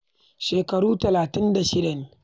Shekaru 36 ne.